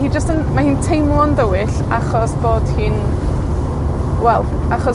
hi jyst yn, ma' hi'n teimlo'n dywyll achos bod hi'n, wel, achos,